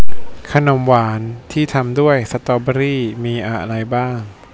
ขนมหวานที่ทำด้วยสตอเบอร์รี่มีอะไรบ้าง